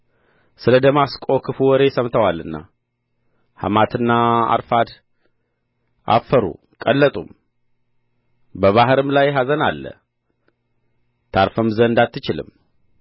ስለ ደማስቆ ክፉ ወሬ ሰምተዋልና ሐማትና አርፋድ አፈሩ ቀለጡም በባሕርም ላይ ኅዘን አለ ታርፍም ዘንድ አትችልም